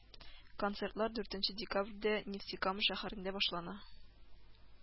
Концертлар дүртенче декабрьдә Нефтекама шәһәрендә башлана